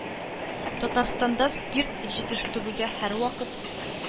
Татарстанда спирт җитештерүгә һәрвакыт